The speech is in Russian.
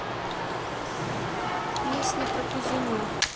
песня про казино